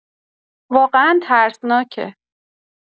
واقعا ترسناکه